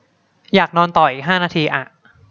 อยากนอนต่ออีกห้านาทีอะ